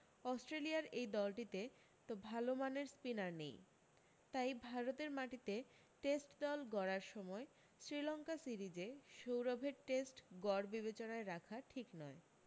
অস্ট্রেলিয়ার এই দলটিতে তো ভালো মানের স্পিনার নেই তাই ভারতের মাটিতে টেস্ট দল গড়ার সময় শ্রীলঙ্কা সিরিজে সৌরভের টেস্ট গড় বিবেচনায় রাখা ঠিক নয়